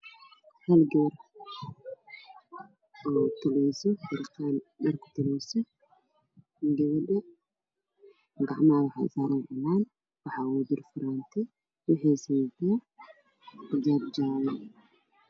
Meesha maxaa fadhiyo gabar gacmaha gacmaha waxaa u saaran cilaan ka federaal waxay ku qabtay